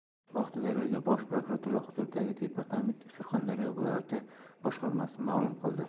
bu haqda daryo ga bosh prokuratura huzuridagi departamentning surxondaryo viloyati boshqarmasi ma'lum qildi